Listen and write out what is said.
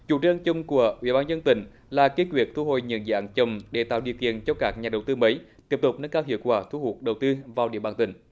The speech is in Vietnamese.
chủ trương chung của ủy ban dân tỉnh là kiên quyết thu hồi nhận dạng chùm để tạo điều kiện cho các nhà đầu tư mới tiếp tục nâng cao hiệu quả thu hút đầu tư vào địa bàn tỉnh